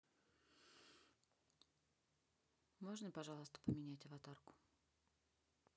можно пожалуйста поменять аватарку